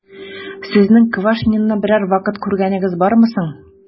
Сезнең Квашнинны берәр вакыт күргәнегез бармы соң?